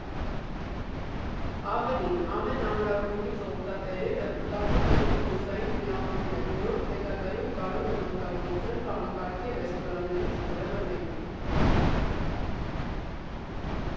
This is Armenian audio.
Ավելին՝ ամեն ամրագրումից օգտատերերը կուտակում են բոնուսային միավորներ, որոնք հետագայում կարող են օգտագործել համակարգի ռեստորաններից որևէ մեկում։